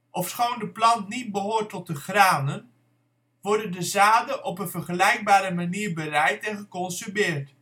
Ofschoon de plant niet behoort tot de granen, worden de zaden op een vergelijkbare manier bereid en geconsumeerd